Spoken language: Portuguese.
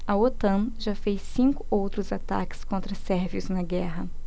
a otan já fez cinco outros ataques contra sérvios na guerra